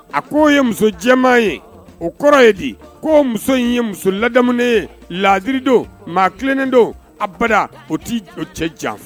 A ko o ye muso jɛmaa ye o kɔrɔ ye di ko'o muso in ye muso lada ye laadiri don maa kelennen don abada o tɛ o cɛ jan